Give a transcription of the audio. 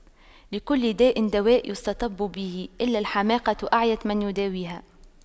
لكل داء دواء يستطب به إلا الحماقة أعيت من يداويها